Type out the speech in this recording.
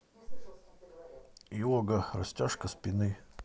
йога растяжка спины